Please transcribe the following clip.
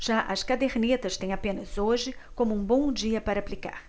já as cadernetas têm apenas hoje como um bom dia para aplicar